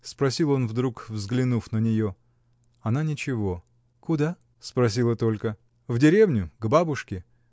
— спросил он вдруг, взглянув на нее. Она ничего. — Куда? — спросила только. — В деревню, к бабушке.